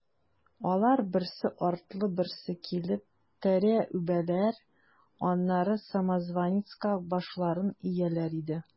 Алар, берсе артлы берсе килеп, тәре үбәләр, аннары самозванецка башларын ияләр иде.